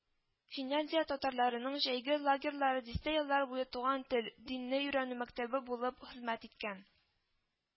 Финляндия татарларының җәйге лагерьлары дистә еллар буе туган тел, динне өйрәнү мәктәбе булып хезмәт иткән